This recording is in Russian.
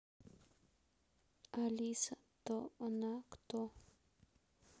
алиса то она кто